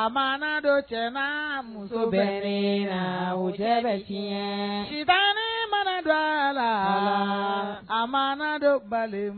a ma dɔ jama muso bɛ la o bamanan mana dɔ a la a ma don bali